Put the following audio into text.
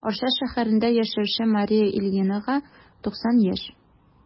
Арча шәһәрендә яшәүче Мария Ильинага 90 яшь.